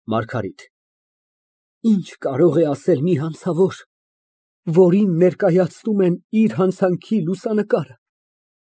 ՄԱՐԳԱՐԻՏ ֊ Ի՞նչ կարող է ասել մի հանցավոր, որին ներկայացնում են իր հանցանքի լուսանկարը։